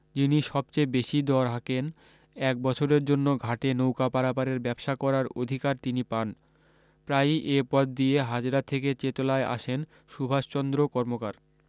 যিনি সব চেয়ে বেশী দর হাঁকেন এক বছরের জন্য ঘাটে নৌকা পারাপারের ব্যবসা করার অধিকার তিনি পান প্রায়ি এ পথ দিয়ে হাজরা থেকে চেতলায় আসেন সুভাষচন্দ্র কর্মকার